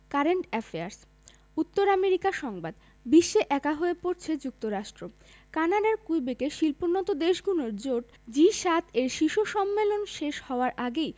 current affairs উত্তর America সংবাদ বিশ্বে একা হয়ে পড়ছে যুক্তরাষ্ট্র কানাডার কুইবেকে শিল্পোন্নত দেশগুলোর জোট জি ৭ এর শীর্ষ সম্মেলন শেষ হওয়ার আগেই